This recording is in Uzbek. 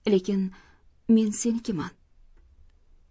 lekin men senikiman